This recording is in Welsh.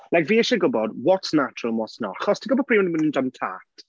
Like fi isie gwybod what's natural and what's not. Achos ti'n gwybod pryd mae nhw'n mynd am chat...